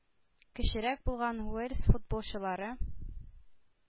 Кечерәк булган уэльс футболчылары